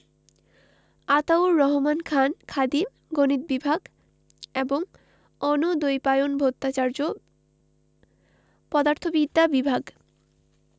আতাউর রহমান খান খাদিম গণিত বিভাগ এবং অনুদ্বৈপায়ন ভট্টাচার্য পদার্থবিদ্যা বিভাগ